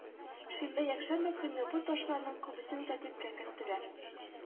Шимбә-якшәмбе көнне бу ташларның күбесен тәртипкә керттеләр